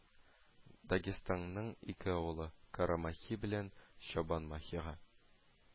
Дагестанның ике авылы, Карамахи белән Чабанмахига